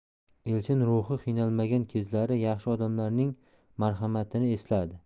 elchin ruhi qiymalangan kezlari yaxshi odamlar ning marhamati ni esladi